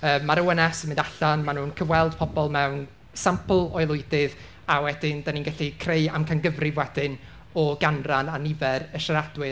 yy ma'r ONS yn mynd allan, maen nhw'n cyfweld pobl mewn sampl o aelwydydd, a wedyn dan ni'n gallu creu amcangyfrif wedyn o ganran a nifer y siaradwyr.